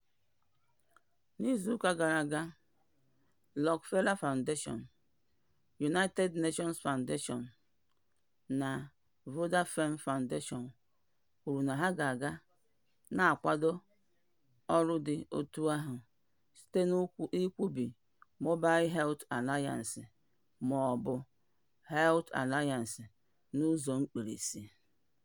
N'izuụka gara aga, Rockefeller Foundation, United Nations Foundation, na Vodafone Foundation kwuru na ha ga na-akwado ọrụ dị otú ahụ site n'iwube Mobile Health Alliance (maọbụ mHealth Alliance n'ụzọ mkpirisi).